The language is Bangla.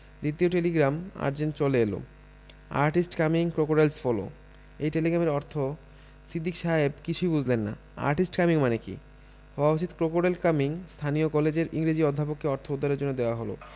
দ্বিতীয় টেলিগ্রাম আজেন্ট চলে এল আর্টিস্ট কামিং. ক্রোকোডাইলস ফলো' এই টেলিগ্রামের অর্থ সিদ্দিক সাহেব কিছুই বুঝলেন না আর্টিস্ট কামিং মানে কি হওয়া উচিত ক্রোকোডাইল কামিং. স্থানীয় কলেজের ইংরেজীর অধ্যাপককে অর্থ উদ্ধারের জন্য দেয়া হল